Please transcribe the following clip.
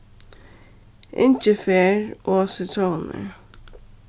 ingifer og sitrónir